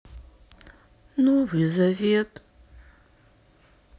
новый завет